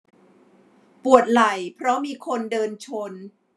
ปวดไหล่เพราะมีคนเดินชน